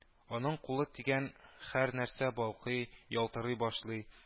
Аның кулы тигән һәр нәрсә балкый, ялтырый башлый